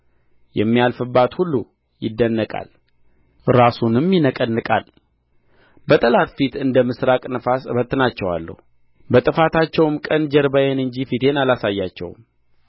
የሚያልፍባት ሁሉ ይደነቃል ራሱንም ያነቃንቃል በጠላት ፊት እንደ ምሥራቅ ነፋስ እበትናቸዋለሁ በጥፋታቸውም ቀን ጀርባዬን እንጂ ፊቴን አላሳያቸውም